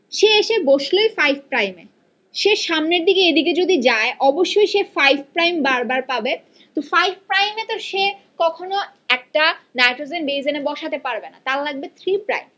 সে এসে বসল এই ফাইভ প্রাইমে সে সামনের দিকে এদিকে যদি যায় অবশ্যই সে ফাইভ প্রাইম বার বার পাবে তো ফাইভ প্রাইমে তো সে কখনো একটা নাইট্রোজেন বেজ এনে বসাতে পারবে না তার লাগবে থ্রি প্রাইম